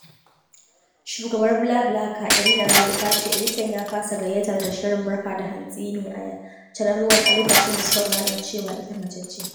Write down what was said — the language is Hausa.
Shugabar BlaBlaCar, Irina Reyder ta ce editan ya fasa gayyatar ta shirin Barka da Hantsi ne a Channel One a lokacin da suka gano cewa ita mace ce.